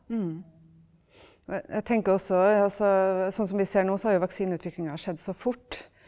ja og jeg jeg tenker også altså sånn som vi ser nå så har jo vaksineutviklinga skjedd så fort.